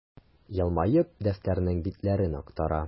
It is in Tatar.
Елмаеп, дәфтәрнең битләрен актара.